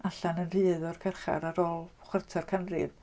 Allan yn rhydd o'r carchar ar ôl chwarter canrif...